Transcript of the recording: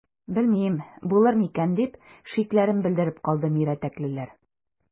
Белмим, булыр микән,– дип шикләрен белдереп калды мирәтәклеләр.